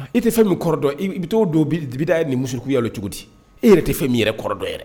E tɛ fɛn min kɔrɔ dɔn i bɛ' donbida nin musu yalalo cogo di e yɛrɛ tɛ fɛn min yɛrɛ kɔrɔ dɔn yɛrɛ